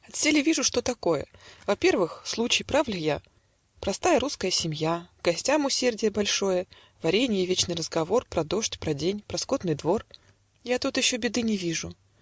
Отселе вижу, что такое: Во-первых (слушай, прав ли я?), Простая, русская семья, К гостям усердие большое, Варенье, вечный разговор Про дождь, про лен, про скотный двор. "- Я тут еще беды не вижу.